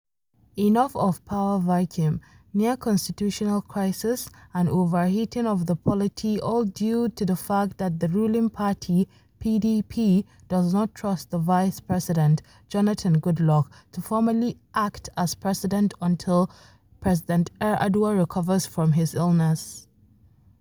Enough of power vacuum, near constitutional crisis, and over heating of the polity all due to the fact that the ruling party (PDP) does not trust the Vice President (Jonathan Goodluck) to formally act as President until President Yar’Adua recovers from his illness.